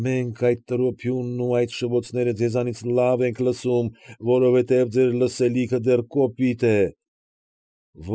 Մենք այդ տրոփյունն ու այդ շվոցները ձեզանից լավ ենք լսում, որովհետև ձեր լսելիքը դեռ կոպիտ է։